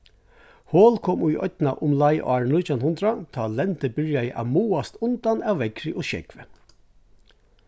hol kom í oynna umleið ár nítjan hundrað tá lendið byrjaði at máast undan av veðri og sjógvi